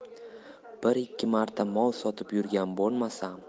bir ikki marta mol sotib yurgan bo'lmasam